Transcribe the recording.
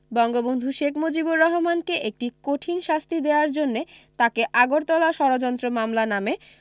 বঙ্গবন্ধু শেখ মুজিবর রহমানকে একটি কঠিন শাস্তি দেয়ার জন্যে তাঁকে আগরতলা ষড়যন্ত্র মামলা নামে